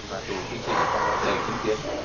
và tù chính trị ở trong đó đều chứng kiến